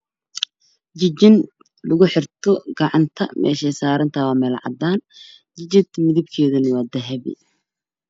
Jijin lagu xirto gacanta meesha ay saaran tahay waa cadaan